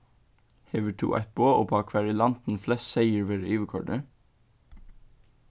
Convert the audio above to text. hevur tú eitt boð upp á hvar í landinum flest seyðir verða yvirkoyrdir